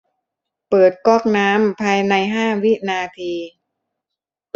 เปิดก๊อกน้ำภายในห้าวินาที